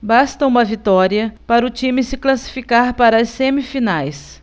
basta uma vitória para o time se classificar para as semifinais